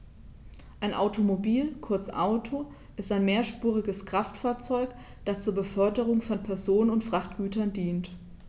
Ein Automobil, kurz Auto, ist ein mehrspuriges Kraftfahrzeug, das zur Beförderung von Personen und Frachtgütern dient.